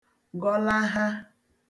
gọlaha